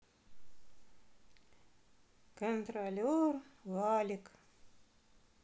контролер валек